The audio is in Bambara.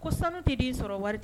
Ko sanu tɛ den sɔrɔ wari tɛ